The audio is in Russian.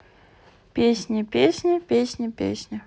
песня песня песня песня